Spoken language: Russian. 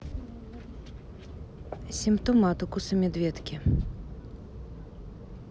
симптомы от укуса медведки